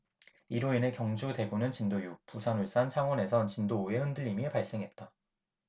이로 인해 경주 대구는 진도 육 부산 울산 창원에선 진도 오 의 흔들림이 발생했다